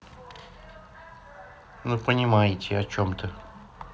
ну понимаете о чем то